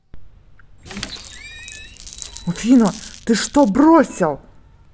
афина ты что бросил